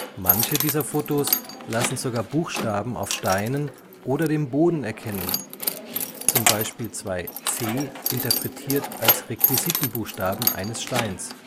Manche dieser Fotos lassen sogar Buchstaben auf Steinen oder dem Boden erkennen, zum Beispiel zwei C interpretiert als Requisitenbuchstaben eines Steins